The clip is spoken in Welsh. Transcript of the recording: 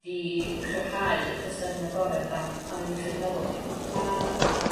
'di cryfhau achos 'dan ni'n agored am am ein iechyd meddwl ni a